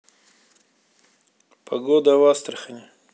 погода в астрахани